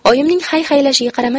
oyimning hayhaylashiga qaramay